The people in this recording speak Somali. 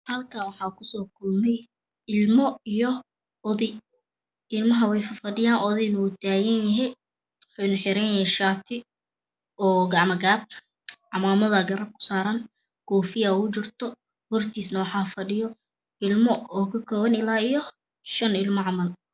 Halkaan waxaa kusoo kulmay ilmo iyo oday ilamaha way fa fadhiyaan odaygana wuu taaganyehe wuxuuna xiranyahay shaati oo gacmo gaab ah camaamadaa garabka usaaran koofiyaa ugu jirto hortiisana waxaa fa dhiyo ilmo oo ka kooban ilaa iyo shan ilmo camal